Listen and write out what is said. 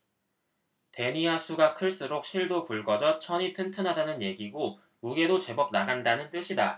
데니아 수가 클수록 실도 굵어져 천이 튼튼하다는 얘기고 무게도 제법 나간다는 뜻이다